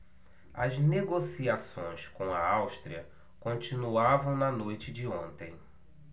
as negociações com a áustria continuavam na noite de ontem